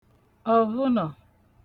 ọ̀vhụnọ̀